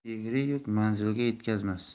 egri yuk manzilga yetkazmas